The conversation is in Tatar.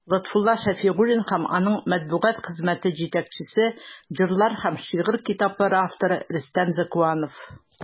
Лотфулла Шәфигуллин һәм аның матбугат хезмәте җитәкчесе, җырлар һәм шигырь китаплары авторы Рөстәм Зәкуанов.